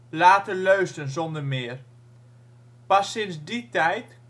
later Leusden zonder meer). Pas sinds die tijd